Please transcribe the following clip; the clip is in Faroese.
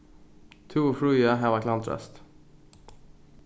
tú og fríða hava klandrast